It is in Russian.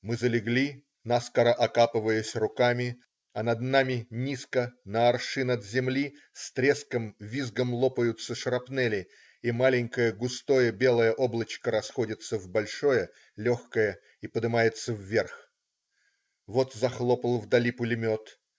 Мы залегли, наскоро окапываясь руками, а над нами низко, на аршин от земли, с треском, визгом лопаются шрапнели, и маленькое, густое, белое облачко расходится в большое, легкое и подымается вверх. Вот захлопал вдали пулемет.